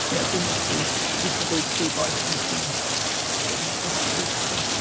Ie, dwi'm yn gallu bwyta bwyd rhy boeth. Ond dwi'n, ie, lico green curry.